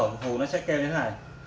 nếu như mình thổi phù phù nó sẽ kêu thế này